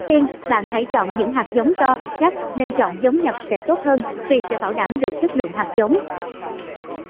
trước tiên bạn hãy chọn những hạt giống to chắc nên chọn giống nhập sẽ tốt hơn vì sẽ bảo đảm được chất lượng hạt giống